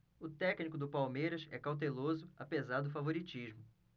o técnico do palmeiras é cauteloso apesar do favoritismo